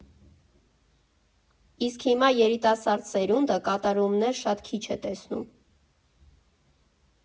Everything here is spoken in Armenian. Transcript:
Իսկ հիմա երիտասարդ սերունդը կատարումներ շատ քիչ է տեսնում.